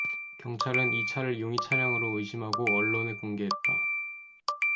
경찰은 이 차를 용의 차량으로 의심하고 언론에 공개했다